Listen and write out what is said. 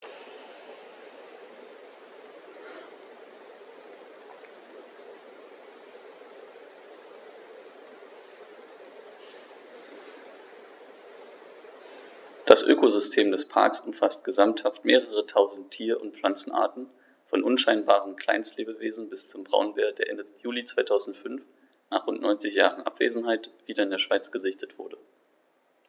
Das Ökosystem des Parks umfasst gesamthaft mehrere tausend Tier- und Pflanzenarten, von unscheinbaren Kleinstlebewesen bis zum Braunbär, der Ende Juli 2005, nach rund 90 Jahren Abwesenheit, wieder in der Schweiz gesichtet wurde.